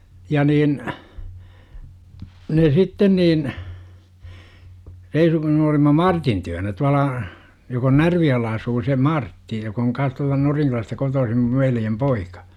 ja niin ne sitten niin reisunkin olimme Martin luona tuolla joka on Närvijoella asuu se Martti joka on kanssa tuolta Norinkylästä kotoisin minun veljen poika